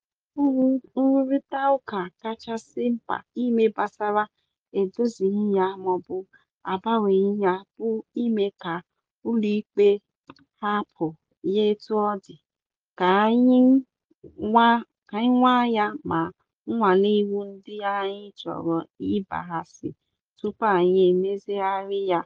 E chere m na nrụrịtaụka kachasị mkpa ime gbasara edozighị ya maọbụ agbanweghị ya bụ ị mee ka ụlọikpe hapụ ya etu ọ dị, ka anyị nwa ya ma nnwale iwu ndị anyị chọrọ ịgbaghasị, tupu anyị emezigharị ya.